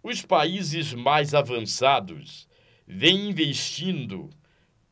os países mais avançados vêm investindo